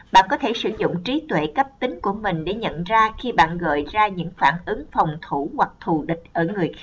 bạn có thể sử dụng trí tuệ cấp tính của mình để nhận ra khi bạn gợi ra những phản ứng phòng thủ hoặc thù địch ở người khác